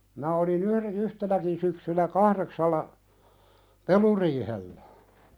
minä olin yhden yhtenäkin syksynä kahdeksalla peluriihellä